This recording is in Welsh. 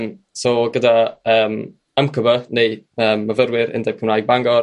yym so gyda yym ym cy by neu mae myfyrwyr undeb Cymra'g Bangor